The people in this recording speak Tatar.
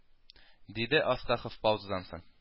Диде астахов паузадан соң